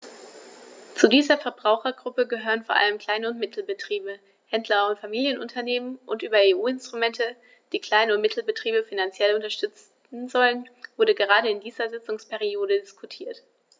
Zu dieser Verbrauchergruppe gehören vor allem Klein- und Mittelbetriebe, Händler und Familienunternehmen, und über EU-Instrumente, die Klein- und Mittelbetriebe finanziell unterstützen sollen, wurde gerade in dieser Sitzungsperiode diskutiert.